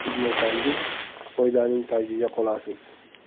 tegmasangiz foydaning tagida qolasiz